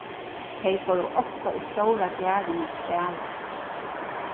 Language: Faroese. tey fóru ofta í stóra garðin at spæla